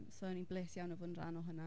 So o'n ni'n bles iawn o fod yn rhan o hynna.